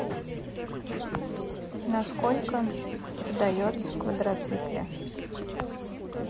насколько продается квадроцикле